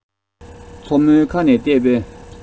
མཚོ མོའི ཁ ནས ལྟས པས